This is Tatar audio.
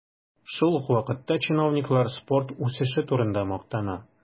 Шул ук вакытта чиновниклар спорт үсеше турында мактана.